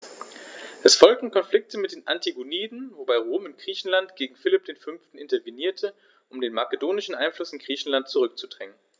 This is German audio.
Es folgten Konflikte mit den Antigoniden, wobei Rom in Griechenland gegen Philipp V. intervenierte, um den makedonischen Einfluss in Griechenland zurückzudrängen.